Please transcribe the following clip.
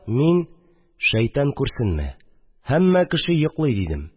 Мин: «шәйтан күрсенме, һәммә кеше йоклый», – дидем